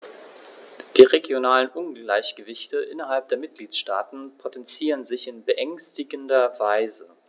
Die regionalen Ungleichgewichte innerhalb der Mitgliedstaaten potenzieren sich in beängstigender Weise.